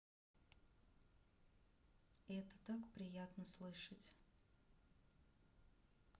это так приятно слышать